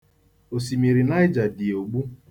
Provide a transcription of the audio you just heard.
Osimiri Naịja dị ogbu.